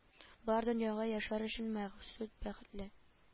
Болар дөньяга яшәр өчен мәгсүд бәхетле